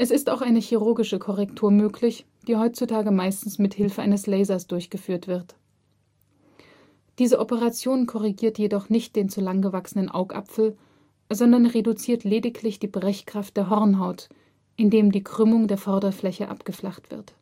ist auch eine chirurgische Korrektur möglich, die heutzutage meistens mit Hilfe eines Lasers durchgeführt wird. Diese Operation korrigiert jedoch nicht den zu lang gewachsenen Augapfel, sondern reduziert lediglich die Brechkraft der Hornhaut, indem die Krümmung der Vorderfläche abgeflacht wird